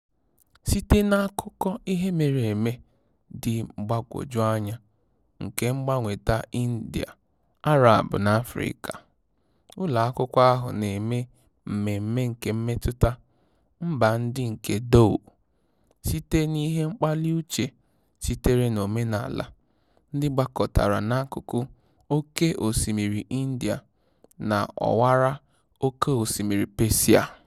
Site n'akụkọ ihe mere eme dị mgbagwoju anya nke mgbanweta India, Arab na Afịrịka, ụlọakwụkwọ ahụ na-eme mmemme nke mmetụta "mba ndị nke dhow", site n'ihe mkpali uche sitere n'omenaala ndị gbakọtara n'akụkụ Oké Osimiri India na Ọwara Oké Osimiri Persia.